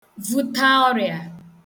vuta ọrịà